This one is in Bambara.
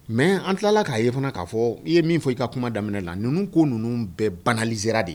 Mɛ an tilala k'a ye fana k'a fɔ i ye min fɔ i ka kuma daminɛ la ninnu ko ninnu bɛɛ banaliera de